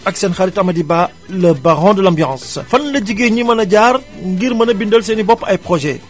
ak seen xarit Amady Ba le baron de l' ambiance fan la jigéen ñi mën a jaar ngir mën a bindal seen i bopp ay projets